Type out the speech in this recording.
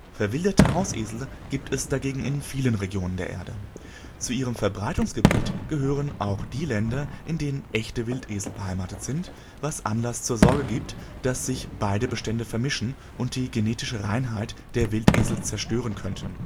Verwilderte Hausesel gibt es dagegen in vielen Regionen der Welt. Zu ihrem Verbreitungsgebiet gehören auch die Länder, in denen echte Wildesel beheimatet sind, was Anlass zur Sorge gibt, dass sich beide Bestände vermischen und die genetische Reinheit der Wildesel zerstören könnten